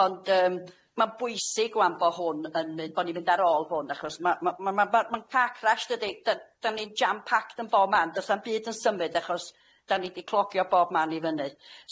Ond yym ma'n bwysig ŵan bo' hwn yn mynd, bo' ni'n mynd ar ôl hwn achos ma' ma' ma' ma' ma' ma'n car crash dydi? D- dan ni'n jam-packed yn bob man dosa'm byd yn symud achos dan ni di clogio bob man i fyny.